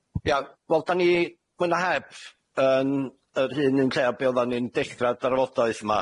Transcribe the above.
Ia, wel 'dan ni mwy na heb yn yr un un lle â be' oddan ni'n dechra'r drafodaeth 'ma.